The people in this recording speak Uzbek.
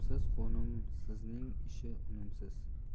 tushgan qo'liga olmay qolmas